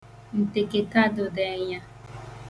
ǹtèkètadụdeenya